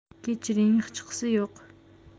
kechiring hechqisi yo'q